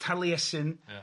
Taliesin... Ia.